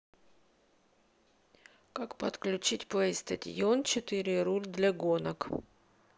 как подключить playstation четыре руль для гонок